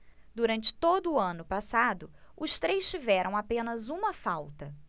durante todo o ano passado os três tiveram apenas uma falta